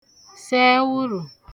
sè ẹwụ̀rụ̀